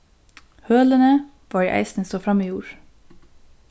hølini vóru eisini so framúr